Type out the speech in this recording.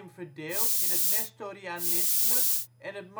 verdeeld in het nestorianisme en het